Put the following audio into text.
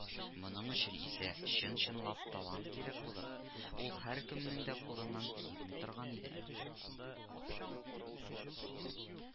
Моның өчен исә чын-чынлап талант кирәк булып, ул һәркемнең дә кулыннан килми торган иде